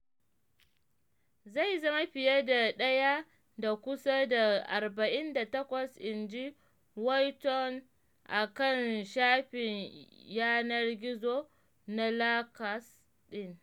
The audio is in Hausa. "Zai zama fiye da daya da kusa da 48" inji Walton a kan shafin yanar gizo na Lakers din.